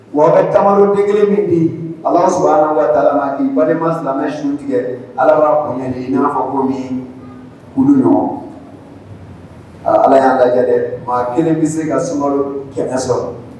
W'aw bɛ tamaro denkelen min di, Alahu sahana watala ma kɛ balima silamɛmɛ su tigɛ, Ala b'a bonya da i na kulu ɲɔgɔn, Ala y'a lajɛ dɛ maa kelen bɛ se ka sunkalo kɛmɛ sɔrɔ.